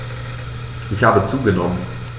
Ich habe zugenommen.